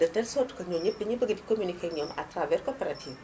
de telle sorte que ñooñu ñëpp dañuy bëgg di communiqué ak ñoom à travers coopérative bi